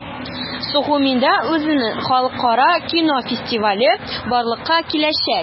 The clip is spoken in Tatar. Сухумида үзенең халыкара кино фестивале барлыкка киләчәк.